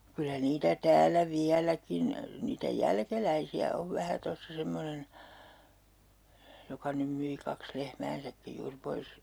kyllä niitä täällä vieläkin niitä jälkeläisiä on vähän tuossa semmoinen joka nyt myi kaksi lehmäänsäkin juuri pois